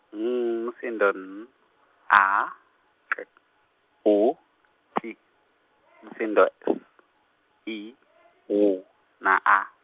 M, umsindvo N, A, K, U, T, umsindvo , E, W na A.